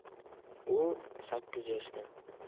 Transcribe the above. u sakkiz yoshda